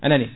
anani